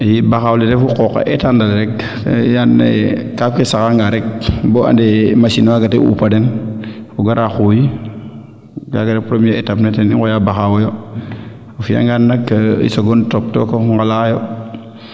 i baxaaw le refu a qooqa etaana le rek yaa anayee kaaf ke sax nga rek bo ande machine waaga te uupa den o gara xuuy kaaga ref premier etape ne kaaga i ngooya baxawoyo o fiya ngaan nak soogo top tookum ngalayo